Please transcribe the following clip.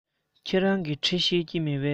ཁྱེད རང གིས འབྲི ཤེས ཀྱི མེད པས